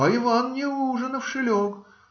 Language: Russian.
А Иван не ужинавши лег.